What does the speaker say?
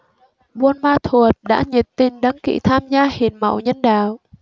buôn ma thuột đã nhiệt tình đăng ký tham gia hiến máu nhân đạo